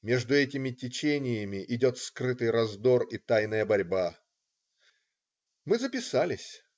между этими течениями идет скрытый раздор и тайная борьба. Мы записались.